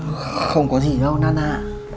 không có gì đâu na na à